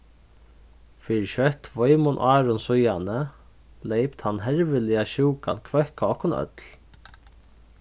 fyri skjótt tveimum árum síðani leyp tann herviliga sjúkan hvøkk á okkum øll